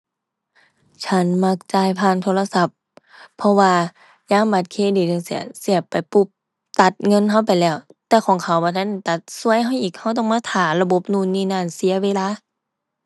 ฉันมักจ่ายผ่านโทรศัพท์ เพราะว่ายามบัตรเครดิตจั่งซี้ เสียบไปปุ๊บ ตัดเงินเราไปแล้ว แต่ของเขาบ่ทันตัด ซวยเราอีก เราต้องมาท่าระบบนู้นนี้นั้น เสียเวลา